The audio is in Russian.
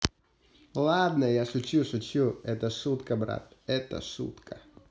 ладно я шучу шучу это шутка брат это шутка